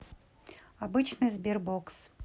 обычный sberbox